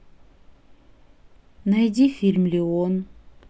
найди фильм леон